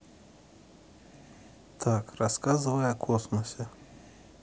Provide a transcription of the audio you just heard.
так рассказывай о космосе